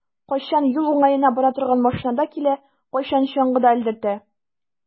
Кайчан юл уңаена бара торган машинада килә, кайчан чаңгыда элдертә.